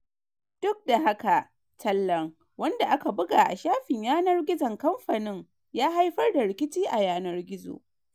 Duk da haka, tallar, wanda aka buga a shafin yanar gizon kamfanin, ya haifar da rikici a yanar gizo.